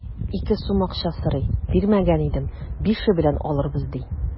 Ике сум акча сорый, бирмәгән идем, бише белән алырбыз, ди.